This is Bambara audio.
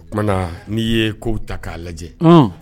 O tumana n'i ye kow ta k'a lajɛ, ɔn